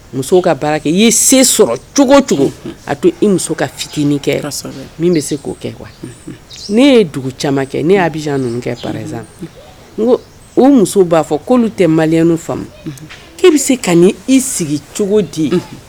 Musow ka baara kɛ ye sen sɔrɔ cogo cogo a to i muso ka fiiginin kɛ min bɛ se k'o kɛ ne' ye dugu caman kɛ ne'a kɛ paz n ko u muso b'a fɔ'olu tɛ maliyani faamu e bɛ se ka ni i sigi cogo di ye